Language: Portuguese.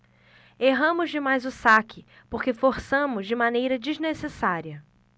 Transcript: erramos demais o saque porque forçamos de maneira desnecessária